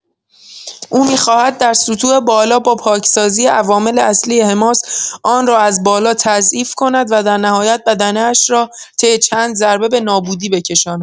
او می‌خواهد در سطوح بالا با پاکسازی عوامل اصلی حماس، آن را از بالا تضعیف کند و در نهایت بدنه‌ش را طی چند ضربه به نابودی بکشاند.